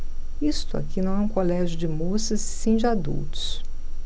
isto aqui não é um colégio de moças e sim de adultos